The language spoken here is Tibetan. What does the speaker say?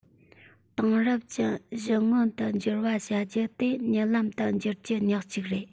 དེང རབས ཅན བཞི མངོན དུ འགྱུར བ བྱ རྒྱུ དེ གཉིད ལམ དུ འགྱུར རྒྱུ ཉག ཅིག རེད